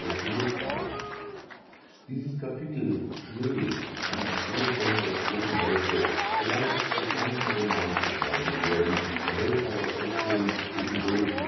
Schneetraum Dieses Kapitel, „ Schnee “, kann als Höhepunkt der zweiten Hälfte, vielleicht des ganzen Romans, bezeichnet werden, behält aber trotzdem „ episodischen